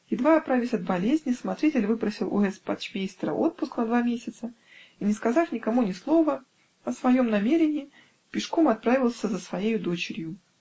Едва оправясь от болезни, смотритель выпросил у С*** почтмейстера отпуск на два месяца и, не сказав никому ни слова о своем намерении, пешком отправился за своею дочерью.